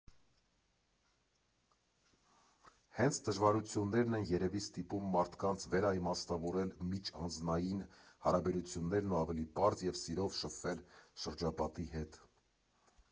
Հենց դժվարություններն են երևի ստիպում մարկանց վերաիմաստավորել միջանձնային հարաբերություններն ու ավելի պարզ և սիրով շբվել շրջապատի հետ։